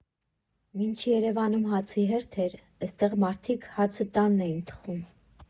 Մինչ Երևանում հացի հերթ էր, էստեղ մարդիկ հացը տանն էին թխում։